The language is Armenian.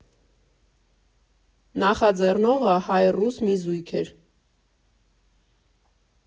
Նախաձեռնողը հայ֊ռուս մի զույգ էր։